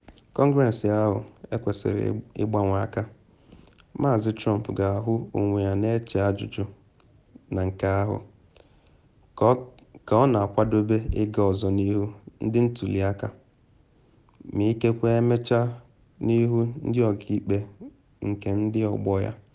Kọngress ahụ ekwesịrị ịgbanwe aka, Maazị Trump ga-ahụ onwe ya na eche ajụjụ na nke ahụ, ka ọ na akwadobe ịga ọzọ n’ihu ndị ntuli aka, ma ikekwe emechaa n’ihu ndị ọkaikpe nke ndị ọgbọ ya.